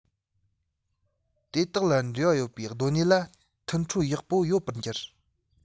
དེ དག ལ འབྲེལ བ ཡོད པའི སྡོད གནས ལ མཐུན འཕྲོད ཡག པོ ཡོད པར གྱུར